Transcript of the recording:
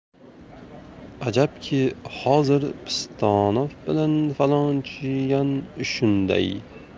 ajabki hozir pistonov bilan falonchiyan shunday